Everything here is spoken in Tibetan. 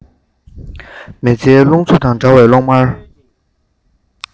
མེ ལྕེའི རླུང འཚུབ དང འདྲ བའི གློག དམར